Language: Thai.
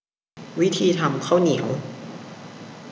วิธีทำข้าวเหนียว